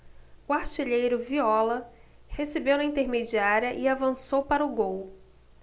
o artilheiro viola recebeu na intermediária e avançou para o gol